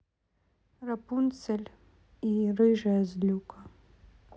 рапунцель и рыжая злюка